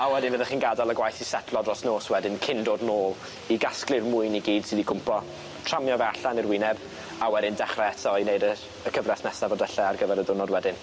A wedyn fyddech chi'n gad'el y gwaith i setlo dros nos wedyn cyn dod nôl i gasglu'r mwyn i gyd sy 'di cwmpo tramio fe allan i'r wyneb a wedyn dechre eto i neud y y cyfres nesaf o dylle ar gyfer y diwrnod wedyn.